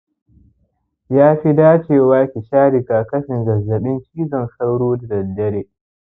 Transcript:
yafi dacewa ki sha rigakafin zazzaɓin cizon sauro da daddare